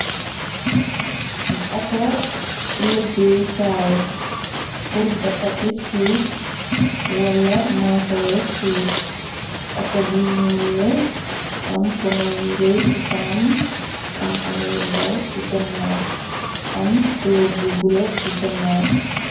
Auto legaye kaay pur daxati suff wala maasaleh suff, auto bu njull la, am ponoh yu rey ci kanam, am ponoh yu ndaw ci ganaw, am couleur bu bleu ci ganaw.